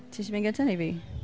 Ti isie mynd gynta neu fi?